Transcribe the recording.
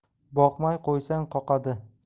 boqmay qo'ysang qoqadi